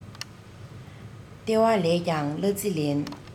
ལྟེ བ ལས ཀྱང གླ རྩི ལེན